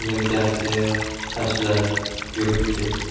yelkasiga tashlab yurib ketdi